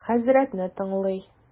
Хәзрәтне тыңлый.